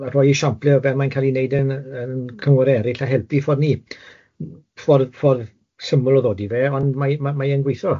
a rhoi esiampl o fel mae'n cael ei wneud yn yn cyngorau eraill a helpu ffordd ni, ffordd ffordd syml o ddodi fe, ond mae mae mae e'n gweithio.